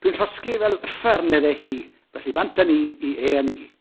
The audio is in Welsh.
Dwi'n llosgi fel uffern, medde hi. Felly bant â ni i A&E.